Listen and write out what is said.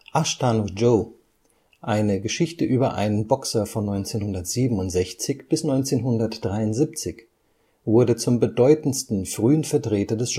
Ashita no Joe, eine Geschichte über einen Boxer von 1967 bis 1973, wurde zum bedeutendsten frühen Vertreter des